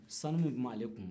sanu min tun b'ale kun